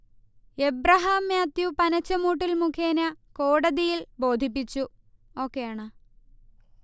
ഏബ്രഹാം മാത്യു പനച്ചമൂട്ടിൽ മുഖേനെ കോടതിയിൽ ബോധിപ്പിച്ചു